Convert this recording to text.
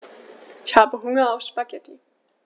Ich habe Hunger auf Spaghetti.